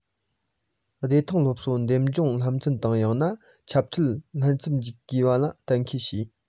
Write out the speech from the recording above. བདེ ཐང སློབ གསོའི འདེམ སྦྱོང བསླབ ཚན དང ཡང ན འཆད ཁྲིད བསླབ ཚན འཛུགས དགོས པ གཏན ཁེལ བྱས